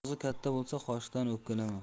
og'zing katta bo'lsa qoshiqdan o'pkalama